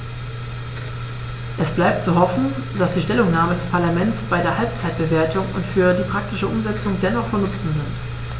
Es bleibt zu hoffen, dass die Stellungnahmen des Parlaments bei der Halbzeitbewertung und für die praktische Umsetzung dennoch von Nutzen sind.